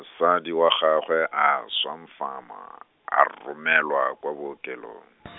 mosadi wa gagwe swa mfama, a romelwa kwa bookelong .